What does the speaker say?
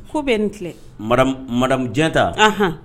Ko bɛ nin tile mamu janta hhɔn